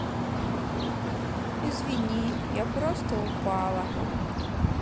извини я просто упала